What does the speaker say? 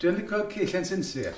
Dwi yn licio cellen sinsir.